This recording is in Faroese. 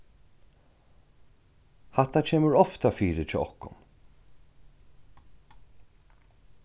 hatta kemur ofta fyri hjá okkum